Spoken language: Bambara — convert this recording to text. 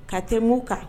Ka tɛmɛ u kan